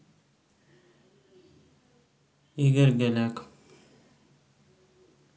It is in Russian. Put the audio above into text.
игорь голяк